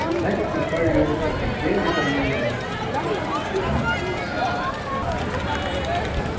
nógv í føroyum taka d-vitaminir sum kostískoyti